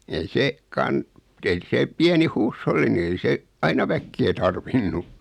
ei se - ei se pieni huusholli niin ei se aina väkeä tarvinnut